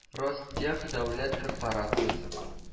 – ростех дәүләт корпорациясе